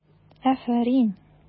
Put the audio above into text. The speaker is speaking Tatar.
Афәрин!